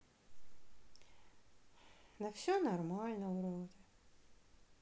да все нормально вроде